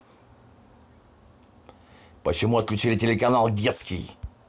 почему отключили телеканал детский